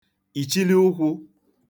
ìchili ụkwụ̄